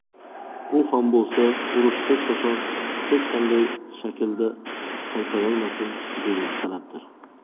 u ham bo'lsa urush hech qachon hech qanday shaklda qaytarilmasin degan talabdir